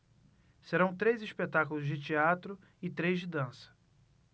serão três espetáculos de teatro e três de dança